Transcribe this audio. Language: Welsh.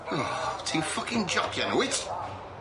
Oh, ti'n ffycin jocian wyt?